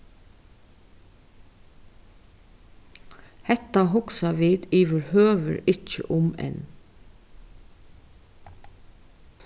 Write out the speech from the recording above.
hetta hugsa vit yvirhøvur ikki um enn